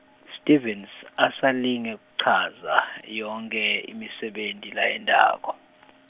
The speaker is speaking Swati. Stevens, asalinge kuchaza, yonkhe, imisebenti layentako.